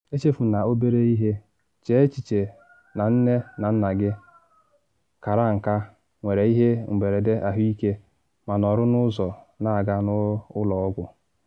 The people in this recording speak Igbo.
Echefuna obere ihe: Chee echiche na nne na nna gị kara nka nwere ihe mberede ahụike ma nọrọ n’ụzọ na aga n’ụlọ ọgwụ.